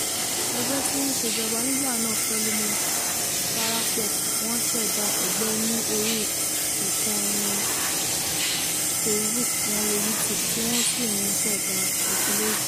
Ẹgbẹ́ tí ó ń ṣe ìjọba nígbà náà Frelimo darapọ̀, wọ́n ṣẹ̀dá ẹgbẹ́ ní orí ìkànnì Facebook, wọ́n ń lo YouTube, tí wọ́n sì ń ṣẹ̀dá ìfiléde.